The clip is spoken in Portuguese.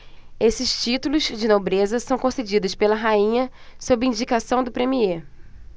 esses títulos de nobreza são concedidos pela rainha sob indicação do premiê